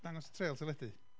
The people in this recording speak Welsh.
Dangos trêl teledu.